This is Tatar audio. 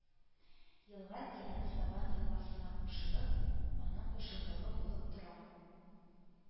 Елга Тирән Сабан елгасына кушылып, аның кушылдыгы булып тора